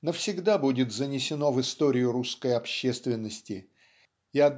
навсегда будет занесено в историю русской общественности и